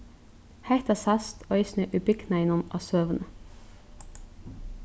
hetta sæst eisini í bygnaðinum á søguni